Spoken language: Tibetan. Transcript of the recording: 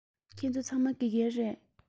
ཁྱེད ཚོ ཚང མ དགེ རྒན རེད